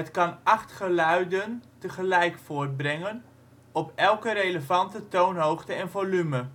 kan acht geluiden tegelijk voortbrengen, op elke relevante toonhoogte en volume